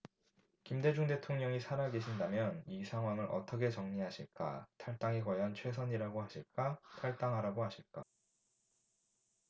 김대중 대통령이 살아계신다면 이 상황을 어떻게 정리하실까 탈당이 과연 최선이라고 하실까 탈당하라고 하실까